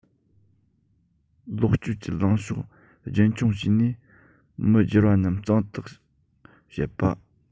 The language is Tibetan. ལོག སྤྱོད ཀྱི ལངས ཕྱོགས རྒྱུན འཁྱོངས བྱས ནས མི བསྒྱུར བ རྣམས གཙང དག བྱེད པ